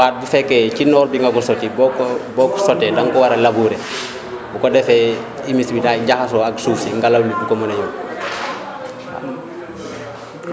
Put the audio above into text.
soit bu fekkee ci noor bi nga ko sotti boo ko boo ko sottee da nga ko war a labouré bu ko defee humus bi daal di jaxasoo ak suuf si ngelaw li du ko mën a yóbbu